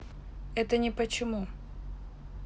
это не почему